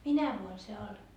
minä vuonna se oli